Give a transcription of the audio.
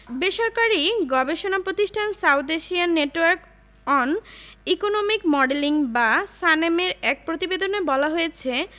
বেসরকারি গবেষণা প্রতিষ্ঠান south Asian network on economic modelling বা সানেমের এক প্রতিবেদনে বলা হয়েছে